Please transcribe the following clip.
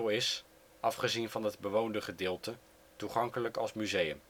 is, afgezien van het bewoonde gedeelte, toegankelijk als museum